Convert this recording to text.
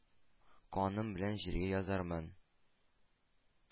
Каным белән җиргә язармын».